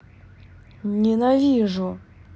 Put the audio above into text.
ненавижу